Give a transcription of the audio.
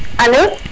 alo